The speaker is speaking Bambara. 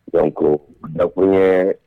G da ko n ɲɛ